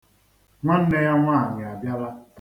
Nwanne ya nwaanyị abịala.